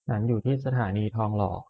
ฉันอยู่ที่สถานีทองหล่อ